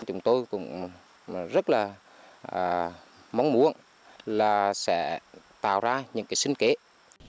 chúng tôi cũng rất là hà mong muốn là sẽ tạo ra những cái sinh kế